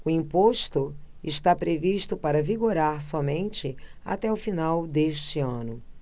o imposto está previsto para vigorar somente até o final deste ano